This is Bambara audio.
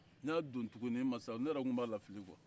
n y'a don tugu ni n ma se ne yɛrɛ ko ko n b'a lafili